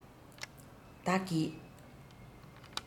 བདག གིས